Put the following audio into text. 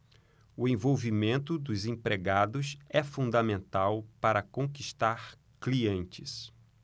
o envolvimento dos empregados é fundamental para conquistar clientes